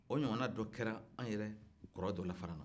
o ɲɔgɔn na dɔ kɛra anw yɛrɛ kɔrɔ dɔ la fana